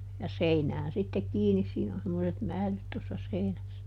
ja seinään sitten kiinni siinä on semmoiset määlyt tuossa seinässä